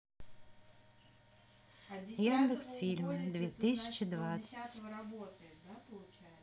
яндекс фильмы две тысячи двадцать